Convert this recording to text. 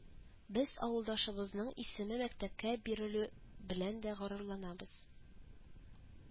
Без авылдашыбызның исеме мәктәпкә бирелү белән дә горурланабыз